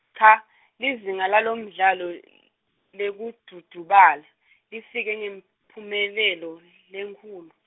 cha, lizinga lalomdlalo , lekudvundvubala, lefika ngemphumelelo, lenkhulu.